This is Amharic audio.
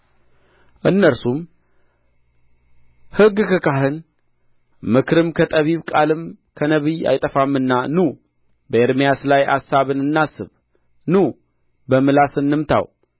እነርሱም ሕግ ከካህን ምክርም ከጠቢብ ቃልም ከነቢይ አይጠፋምና ኑ በኤርምያስ ላይ አሳብን እናስብ ኑ በምላስ እንምታው